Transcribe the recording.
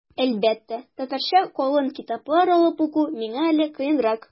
Әлбәттә, татарча калын китаплар алып уку миңа әле кыенрак.